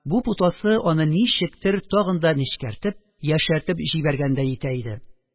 У путасы аны ничектер тагын да нечкәртеп, яшәртеп җибәргәндәй итә иде